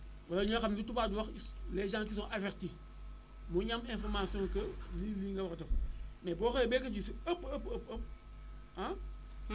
wala ñoo xam ne li tubaab di wax les gens qui sont avertis mooy ñi am information que nii nii nga war a defee mais boo xoolee béykat yi si ëpp ëpp ëpp ah